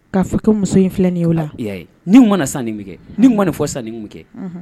K'a fɔkɛ muso in filɛ' la nin mana san nin kɛ nin mana nin fɔ san kɛ